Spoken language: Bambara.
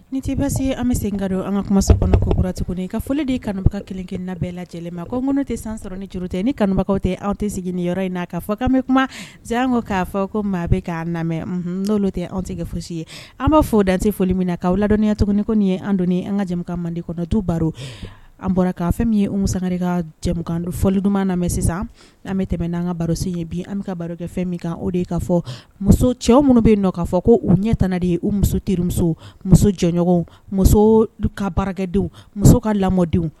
Ni tɛi basi se an bɛ se ka don an ka kumasa kɔnɔ kokurati i ka foli de ye kanubaga kelenkelen labɛnla lajɛlen ma ko n ko tɛ san sɔrɔ ni juru tɛ ni kanubagabagaw tɛ anw tɛ sigi ni yɔrɔ in naa ka fɔ ka mɛn kuma zan ko k'a fɔ ko maa bɛ k'a lamɛn dɔw tɛ an tɛ kɛ foyisi ye an b'a fɔ o dante foli min na ka ladɔniya tuguni ko ye an don an ka jama manden kɔnɔ tu baro an bɔra k' fɛn min ye san ka fɔliduma na lamɛn sisan an bɛ tɛmɛ n anan ka barorosen ye bi an ka baro kɛ fɛn min kan o de kaa fɔ muso cɛw minnu bɛ nɔ k kaa fɔ ko u ɲɛtana de ye u muso terimuso muso jɔɲɔgɔnw muso ka baarakɛdenw muso ka lamɔdenw